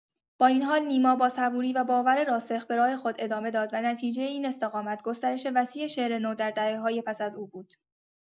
با این حال نیما با صبوری و باور راسخ به راه خود ادامه داد و نتیجه این استقامت، گسترش وسیع شعر نو در دهه‌های پس از او بود.